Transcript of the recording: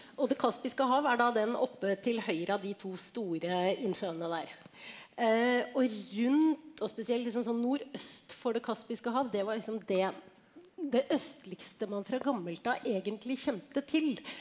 og Det kaspiske hav er da den oppe til høyre av de to store innsjøene der og rundt og spesielt liksom sånn nordøst for det Kaspiske hav det var liksom det det østligste man fra gammelt av egentlig kjente til.